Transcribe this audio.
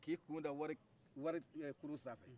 k'i kun da wari warikuru sanfɛ